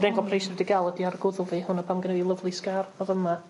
'R unig operation 'di ga'l ydi ar gwddw fi hwnna pam geno fi lyfli scar o fyma.